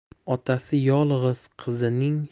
otasi yolg'iz qizining